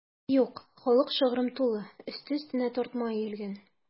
Юк, халык шыгрым тулы, өсте-өстенә тартма өелгән.